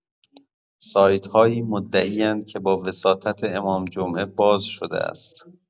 سایت‌هایی مدعی‌اند که با وساطت امام‌جمعه باز شده است.